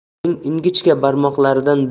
uning ingichka barmoqlaridan